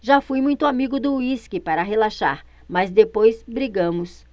já fui muito amigo do uísque para relaxar mas depois brigamos